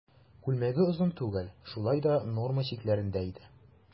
Күлмәге озын түгел, шулай да норма чикләрендә иде.